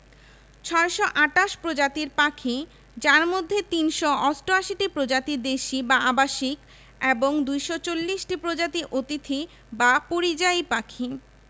৬২৮ প্রজাতির পাখি যার মধ্যে ৩৮৮টি প্রজাতি দেশী বা আবাসিক এবং ২৪০ টি প্রজাতি অতিথি বা পরিযায়ী পাখি